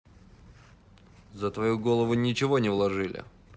за твою голову ничего не вложили